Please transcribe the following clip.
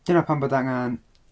Dyna pam bod angen...